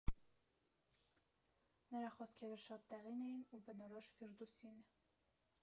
Նրա խոսքերը շատ տեղին էին ու բնորոշ Ֆիրդուսին.